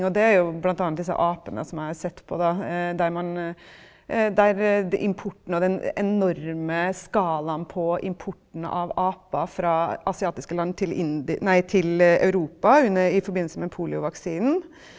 og det er jo bl.a. disse apene som jeg har sett på da der man der importen og den enorme skalaen på importen av aper fra asiatiske land til nei til Europa i forbindelse med poliovaksinen,